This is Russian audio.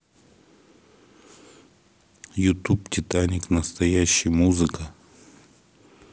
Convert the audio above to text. ютуб титаник настоящий музыка